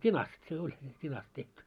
tinasta se oli tinasta tehty